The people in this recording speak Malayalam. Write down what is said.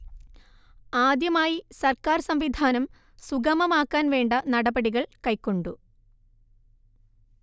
ആദ്യമായി സർക്കാർ സംവിധാനം സുഗമമാക്കാൻ വേണ്ട നടപടികൾ കൈക്കൊണ്ടു